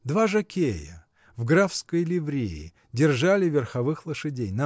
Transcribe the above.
Два жокея, в графской ливрее, держали верховых лошадей.